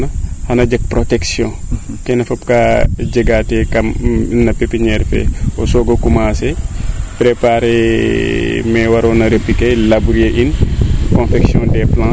xana jeg protection lkee ne fop kaa jegaa te kam no pepiniere fee o soogo commencer preparer me waroona labourer in protection des planches